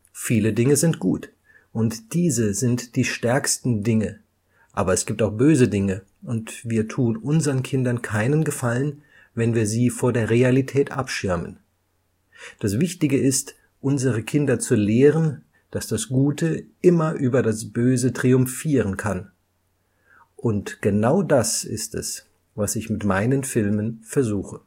Viele Dinge sind gut, und diese sind die stärksten Dinge, aber es gibt auch böse Dinge, und wir tun unseren Kindern keinen Gefallen, wenn wir sie vor der Realität abschirmen. Das wichtige ist, unsere Kinder zu lehren, dass das Gute immer über das Böse triumphieren kann. Und genau das ist es, was ich mit meinen Filmen versuche